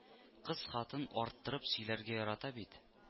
Кыз-хатын арттырып сөйләргә ярата бит